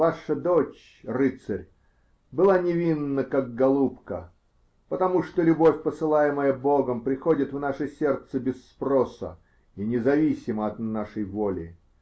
Ваша дочь, рыцарь, была невинна, как голубка, потому что любовь, посылаемая Богом, приходит в наше сердце без спроса и независимо от нашей воли.